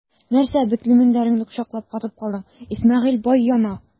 Нәрсә бетле мендәреңне кочаклап катып калдың, Исмәгыйль бай яна!